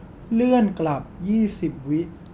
เลื่อนกลับยี่สิบวิ